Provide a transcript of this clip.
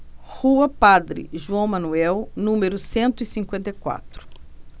rua padre joão manuel número cento e cinquenta e quatro